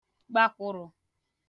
gbàkwụ̀rụ̀